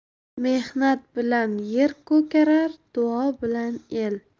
mehnat bilan yer ko'karar duo bilan el